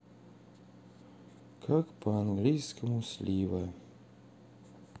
как по английскому слива